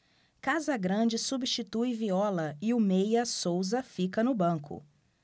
casagrande substitui viola e o meia souza fica no banco